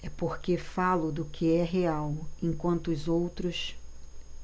é porque falo do que é real enquanto os outros